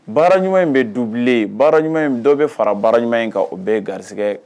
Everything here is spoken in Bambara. Baara ɲuman in bɛ dubilen baara ɲuman dɔw bɛ fara baara ɲuman in ka o bɛɛ garisɛgɛ